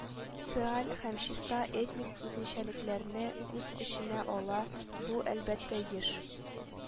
Циаль һәм чиста этник үзенчәлекләрне үз эченә ала, бу, әлбәттә, еш